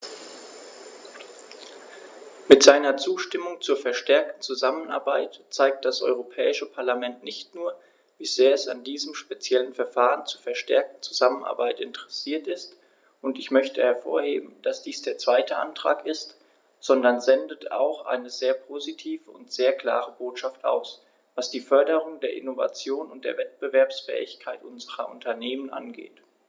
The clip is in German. Mit seiner Zustimmung zur verstärkten Zusammenarbeit zeigt das Europäische Parlament nicht nur, wie sehr es an diesem speziellen Verfahren zur verstärkten Zusammenarbeit interessiert ist - und ich möchte hervorheben, dass dies der zweite Antrag ist -, sondern sendet auch eine sehr positive und sehr klare Botschaft aus, was die Förderung der Innovation und der Wettbewerbsfähigkeit unserer Unternehmen angeht.